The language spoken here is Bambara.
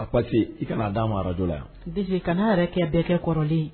A pase,i ka na d'a ma radio la yan. DG kana yɛrɛ kɛ, bɛɛ kɛ kɔrɔlen ye